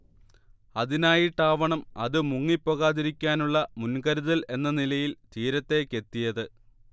അതിനായിട്ടാവണം അത് മുങ്ങിപ്പോകാതിരിക്കാനുള്ള മുൻകരുതൽ എന്ന നിലയിൽ തീരത്തേക്കെത്തിയത്